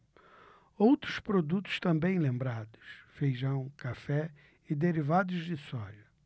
outros produtos também lembrados feijão café e derivados de soja